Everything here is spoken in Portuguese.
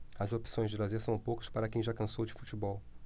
as opções de lazer são poucas para quem já cansou de futebol